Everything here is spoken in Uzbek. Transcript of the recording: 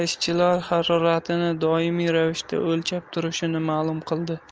ishchilar haroratini doimiy ravishda o'lchab turganini ma'lum qildi